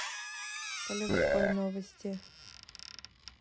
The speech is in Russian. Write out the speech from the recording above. полевской новости